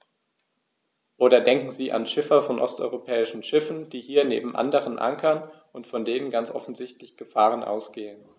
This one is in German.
Oder denken Sie an Schiffer von osteuropäischen Schiffen, die hier neben anderen ankern und von denen ganz offensichtlich Gefahren ausgehen.